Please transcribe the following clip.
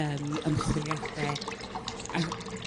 yrm ymchwiliade a